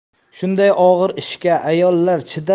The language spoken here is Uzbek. shunday og'ir ishga ayollar